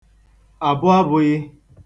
àbụabụ̄ghị̄